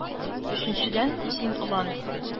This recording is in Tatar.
Өченчедән... Син, олан,